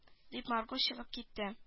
- дип марго чыгып китте